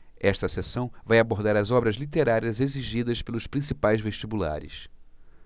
esta seção vai abordar as obras literárias exigidas pelos principais vestibulares